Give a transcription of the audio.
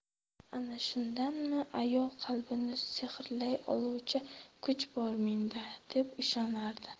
ana shundanmi ayol qalbini sehrlay oluvchi kuch bor menda deb ishonardi